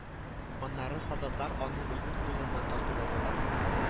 Аннары солдатлар аның үзен кулыннан тартып алдылар